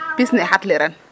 pis ne xat liran